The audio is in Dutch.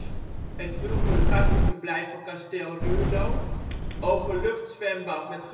vroegere gastenverblijf van kasteel Ruurlo Openlucht zwembad met